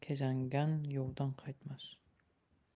kezangan yovdan qaytmas